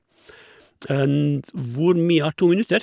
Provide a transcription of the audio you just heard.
d Hvor mye er to minutter?